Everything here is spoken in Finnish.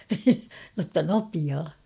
jotta nopeaa